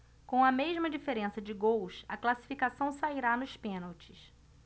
com a mesma diferença de gols a classificação sairá nos pênaltis